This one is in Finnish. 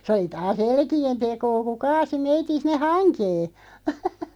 se oli taas elkien tekoa kun kaatoi meidän sinne hankeen